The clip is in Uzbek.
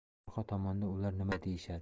orqa tomonda ular nima deyishadi